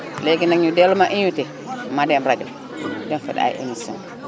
léegi nag ñu dellu ma invité ma dem rajo dem fa ay émissions